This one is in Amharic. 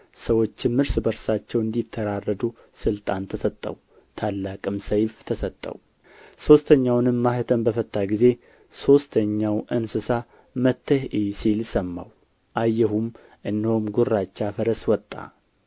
ሰዎችም እርስ በርሳቸው እንዲተራረዱ ሥልጣን ተሰጠው ታላቅም ሰይፍ ተሰጠው ሦስተኛውንም ማኅተም በፈታ ጊዜ ሦስተኛው እንስሳ መጥተህ እይ ሲል ሰማሁ አየሁም እነሆም ጕራቻ ፈረስ ወጣ